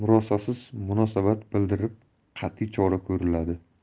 unga ham murosasiz munosabat bildirib qa'tiy chora ko'riladi